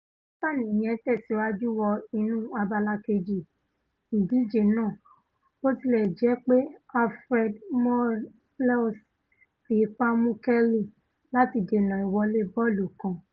Bátàni yẹn tẹ̀sìwájú wọ inú abala keji ìdíje náà bó tilẹ̀ jẹ́ pé Alfred Morelos fi ipa mú Kelly láti dènà ìwọlé bọ́ọ̀lù kan.